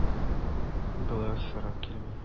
Бәла сорап килми.